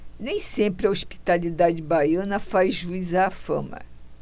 nem sempre a hospitalidade baiana faz jus à fama